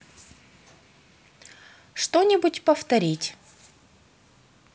что нибудь повторить